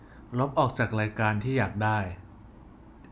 ลบออกจากรายการที่อยากได้